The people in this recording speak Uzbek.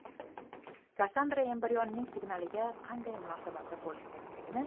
kassandra embrionning signaliga qanday munosabatda bo'lish kerakligini